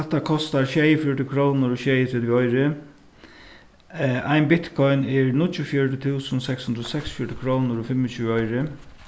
hatta kostar sjeyogfjøruti krónur og sjeyogtretivu oyru ein bitcoin er níggjuogfjøruti túsund seks hundrað og seksogfjøruti krónur og fimmogtjúgu oyru